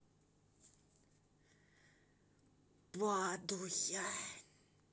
падуя